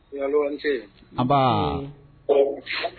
Ɲati nba kɔrɔ